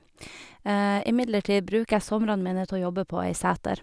Imidlertid bruker jeg somrene mine til å jobbe på ei seter.